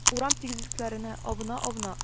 Урам тигезсезлекләренә абына-абына